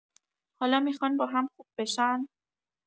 حالا میخوان با هم خوب بشن؟